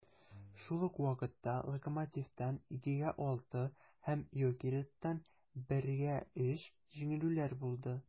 Шул ук вакытта "Локомотив"тан (2:6) һәм "Йокерит"тан (1:3) җиңелүләр булды.